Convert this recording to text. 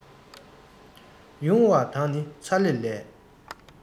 ཡུང བ དང ནི ཚ ལེ ལས